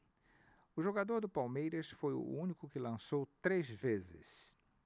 o jogador do palmeiras foi o único que lançou três vezes